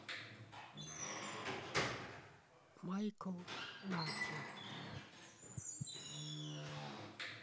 майкл наки